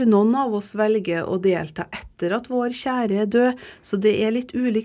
noen av oss velger å delta etter at vår kjære er dø, så det er litt ulikt.